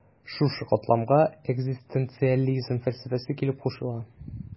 Шушы катламга экзистенциализм фәлсәфәсе килеп кушыла.